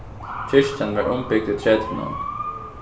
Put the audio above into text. kirkjan var umbygd í tretivunum